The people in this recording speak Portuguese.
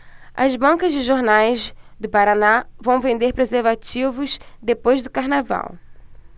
as bancas de jornais do paraná vão vender preservativos depois do carnaval